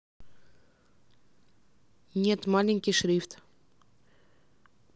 нет маленький шрифт